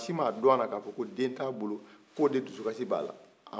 maasi ma dɔn a na ko den t'a bolo ko de dusu kasi b'a la